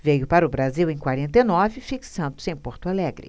veio para o brasil em quarenta e nove fixando-se em porto alegre